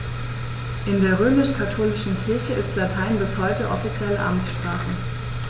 In der römisch-katholischen Kirche ist Latein bis heute offizielle Amtssprache.